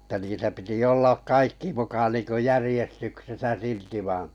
että niitä piti olla kaikki muka niin kuin järjestyksessä silti vaan